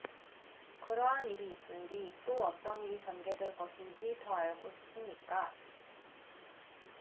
그러한 일이 있은 뒤 또 어떤 일이 전개될 것인지 더 알고 싶습니까